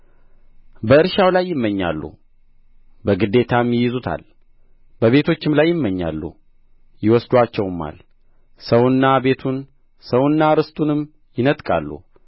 በእርሻው ላይ ይመኛሉ በግዴታም ይይዙታል በቤቶችም ላይ ይመኛሉ ይወስዱአቸውማል ሰውንና ቤቱን ሰውንና ርስቱንም ይነጥቃሉ